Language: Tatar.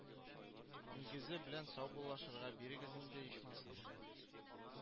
Нигезе белән саубуллашырга бирегез инде, ичмасам